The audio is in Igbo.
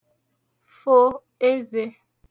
fo ezē